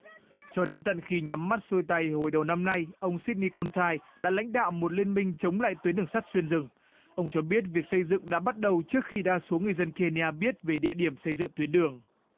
cho đến tận khi nhắm mắt xuôi tay hồi đầu năm nay ông xít ni côn tai đã lãnh đạo một liên minh chống lại tuyến đường sắt xuyên rừng ông cho biết việc xây dựng đã bắt đầu trước khi đa số người dân kê ni a biết vì địa điểm xây dựng tuyến đường